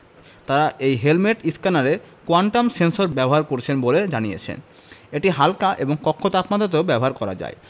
তারা এই হেলমেট স্ক্যানারে কোয়ান্টাম সেন্সর ব্যবহার করেছেন বলে জানিয়েছেন এটি হাল্কা এবং কক্ষ তাপমাত্রাতেও ব্যবহার করা যায়